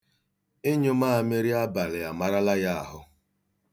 Ịnyụ maamịrị abalị amarala ya ahụ.